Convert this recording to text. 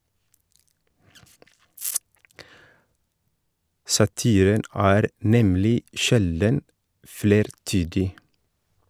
Satiren er nemlig sjelden flertydig.